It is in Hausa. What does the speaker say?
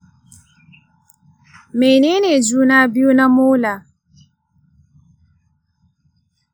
mene ne juna biyu na molar?